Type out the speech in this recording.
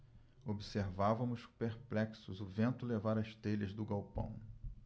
observávamos perplexos o vento levar as telhas do galpão